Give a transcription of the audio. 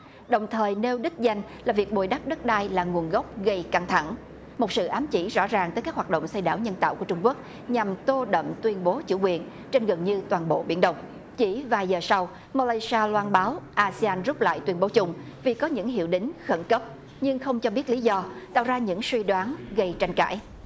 đồng thời nêu đích danh là việc bồi đắp đất đai là nguồn gốc gây căng thẳng một sự ám chỉ rõ ràng tới các hoạt động xây đảo nhân tạo của trung quốc nhằm tô đậm tuyên bố chủ quyền trên gần như toàn bộ biển đông chỉ vài giờ sau ma lay si a loan báo a se an rút lại tuyên bố chung vì có những hiệu đính khẩn cấp nhưng không cho biết lý do tạo ra những suy đoán gây tranh cãi